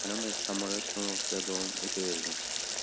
qaramay samolyot sho'ng'ishda davom etavergan